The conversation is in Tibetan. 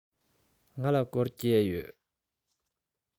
ང ལ སྒོར བརྒྱད ཡོད